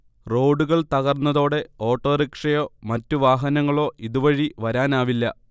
റോഡുകൾ തകർന്നതോടെ ഓട്ടോറിക്ഷയോ മറ്റ് വാഹനങ്ങളോ ഇതുവഴി വരാനാവില്ല